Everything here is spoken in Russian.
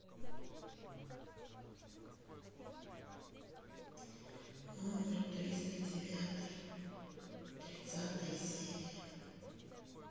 номер триста девятый тридцатая серия